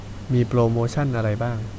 มีโปรโมชั่นอะไรบ้าง